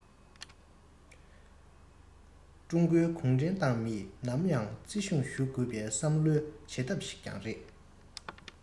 ཀྲུང གོའི གུང ཁྲན ཏང མིས ནམ ཡང བརྩི སྲུང ཞུ དགོས པའི བསམ བློའི བྱེད ཐབས ཤིག ཀྱང རེད